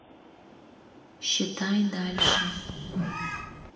считай дальше